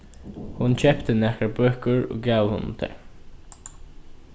hon keypti nakrar bøkur og gav honum tær